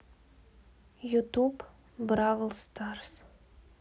ютуб бравл старс